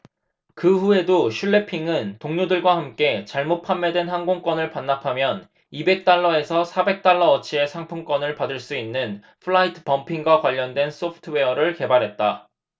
그후에도 슐레핑은 동료들과 함께 잘못 판매된 항공권을 반납하면 이백 달러 에서 사백 달러어치의 상품권을 받을 수 있는 플라이트 범핑과 관련된 소프트웨어를 개발했다